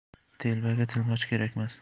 telbaga tilmoch kerakmas